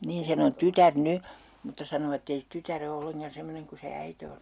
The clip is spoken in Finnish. niin sen on tytär nyt mutta sanovat että ei se tytär ole ollenkaan semmoinen kuin se äiti on